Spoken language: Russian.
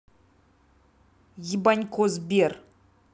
ебанько сбер